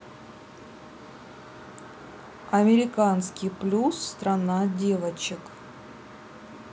американский плюс страна девочек